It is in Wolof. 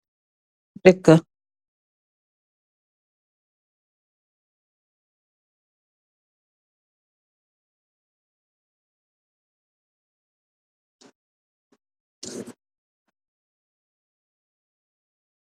Dekaa.